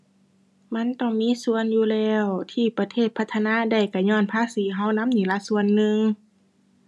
มันต้องมีส่วนอยู่แล้ว ที่ประเทศพัฒนาได้ก็ญ้อนภาษีก็นำนี่ละ ส่วนหนึ่ง